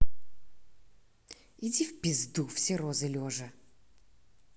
иди в пизду все розы лежа